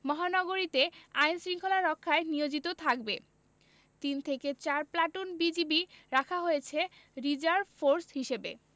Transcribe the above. মহানগরীতে আইন শৃঙ্খলা রক্ষায় নিয়োজিত থাকবে তিন থেকে চার প্লাটুন বিজিবি রাখা হয়েছে রিজার্ভ ফোর্স হিসেবে